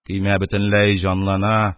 Көймә бөтенләй җанлана